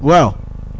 waaw